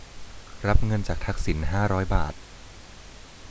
รับเงินจากทักษิณห้าร้อยบาท